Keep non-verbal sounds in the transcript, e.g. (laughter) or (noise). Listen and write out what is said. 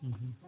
(hesitation) (hesitation)